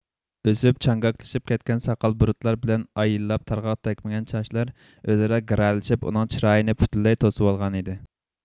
ئۆسۈپ چاڭگاكلىشىپ كەتكەن ساقال بۇرۇتلار بىلەن ئاي يىللاپ تارغاق تەگمىگەن چاچلار ئۆزئارا گىرەلىشىپ ئۇنىڭ چىرايىنى پۈتۈنلەي توسۇۋالغانىدى